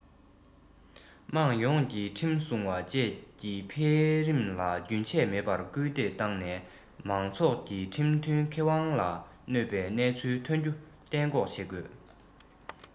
དམངས ཡོངས ཀྱིས ཁྲིམས སྲུང བ བཅས ཀྱི འཕེལ རིམ ལ རྒྱུན ཆད མེད པར སྐུལ འདེད བཏང ནས མང ཚོགས ཀྱི ཁྲིམས མཐུན ཁེ དབང ལ གནོད པའི གནས ཚུལ ཐོན རྒྱུ གཏན འགོག བྱེད དགོས